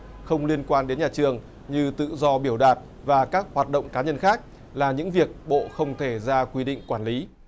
không liên quan đến nhà trường như tự do biểu đạt và các hoạt động cá nhân khác là những việc bộ không thể ra quy định quản lý